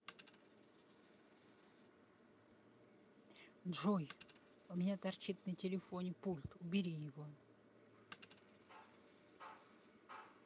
джой у меня торчит на телефоне пульт убери его